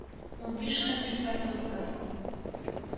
Иң әүвәле Сүз булган дидек.